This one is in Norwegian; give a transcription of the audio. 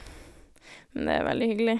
Men det er veldig hyggelig.